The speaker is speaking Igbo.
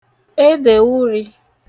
edè urī